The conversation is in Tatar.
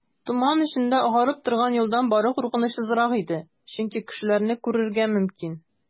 Томан эчендә агарып торган юлдан бару куркынычсызрак иде, чөнки кешеләрне күрергә мөмкин.